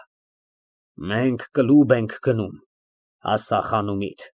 Մենք կլուբ ենք գնում, ասա խանումիդ։